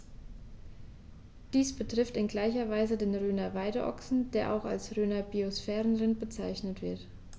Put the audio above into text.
Dies betrifft in gleicher Weise den Rhöner Weideochsen, der auch als Rhöner Biosphärenrind bezeichnet wird.